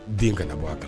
Den ka bɔ a kala